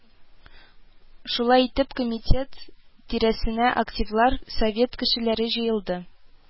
Шулай итеп, комитет тирәсенә активлар, совет кешеләре җыелды